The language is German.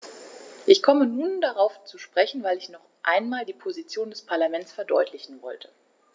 Ich komme nur darauf zu sprechen, weil ich noch einmal die Position des Parlaments verdeutlichen wollte.